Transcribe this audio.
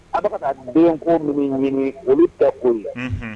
A bɛ ka taa denko minnu ɲini olu bɛɛ ko la